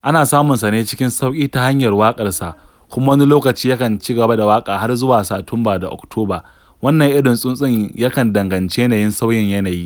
Ana samunsa ne cikin sauƙi ta hanyar waƙarsa kuma wani lokacin yakan cigaba da waƙa har zuwa Satumba da Oktoba. Wannan irin tsuntsun yakan danganci yanayin sauyin yanayi.